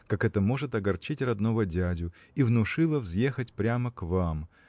как это может огорчить родного дядю и внушила взъехать прямо к вам.